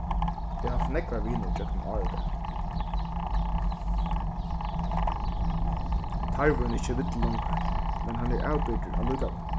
eg havt nógvar vinir gjøgnum ár og dag tarvurin er ikki villur longur men hann er avbyrgdur allíkavæl